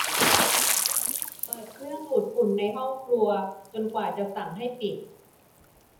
เปิดเครื่องดูดฝุ่นในห้องครัวจนกว่าจะสั่งให้ปิด